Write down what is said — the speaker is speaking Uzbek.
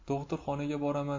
do'xtirxonaga boraman